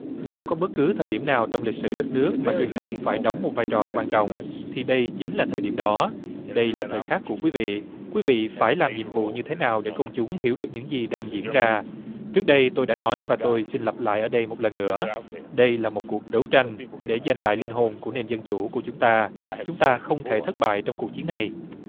nếu có bất cứ thời điểm nào trong lịch sử đất nước và truyền thông phải đóng một vai trò quan trọng thì đây chính là thời điểm đó đây là thời khắc của quý vị quý vị phải làm nhiệm vụ như thế nào để công chúng hiểu được những gì đang diễn ra trước đây tôi đã nói và tôi xin lặp lại ở đây một lần nữa đây là một cuộc đấu tranh để giành lại linh hồn của nền dân chủ của chúng ta chúng ta không thể thất bại trong cuộc chiến này